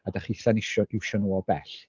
A dach chithau'n iwsio iwsio nhw ô bell.